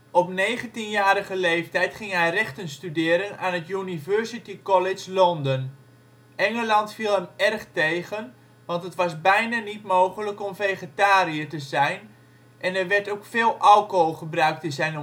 Op negentienjarige leeftijd ging hij rechten studeren aan het University College London. Engeland viel hem erg tegen want het was bijna niet mogelijk om vegetariër te zijn en er werd ook veel alcohol gebruikt in zijn